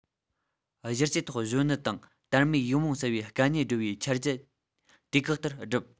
གཞི རྩའི ཐོག གཞོན ནུ དང དར མའི ཡིག རྨོངས སེལ བའི དཀའ གནད སྒྲོལ བའི འཆར གཞི དུས བཀག ལྟར བསྒྲུབས